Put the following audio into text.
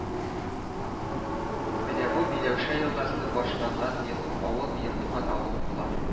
Менә бу Миләүшә елгасы башланган авыл минем туган авылым була